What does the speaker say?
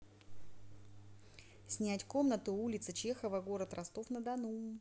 снять комнату улица чехова город ростов на дону